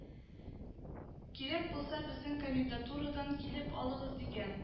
Кирәк булса безнең комендатурадан килеп алыгыз дигән